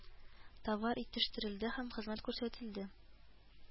Товар итештерелде һәм хезмәт күрсәтелде